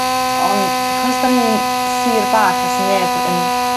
Ond because 'da ni'n sir bach a sneb yn